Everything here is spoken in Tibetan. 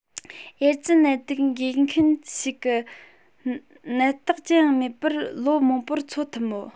ཨེ ཙི ནད དུག འགོས མཁན ཞིག ནད རྟགས ཅི ཡང མེད པར ལོ མང པོར འཚོ ཐུབ མོད